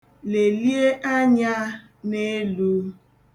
Lelie anya n'elu.